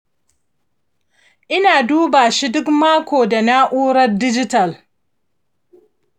ina duba shi duk mako da na’urar dijital.